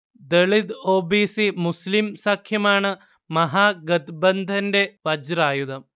ദളിത്-ഒ. B. C- മുസ്ലീം സഖ്യമാണ് മഹാഗത്ബന്ധന്റെ വജ്രായുധം